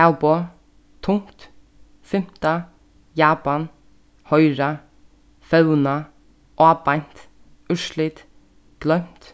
avboð tungt fimta japan hoyra fevna ábeint úrslit gloymt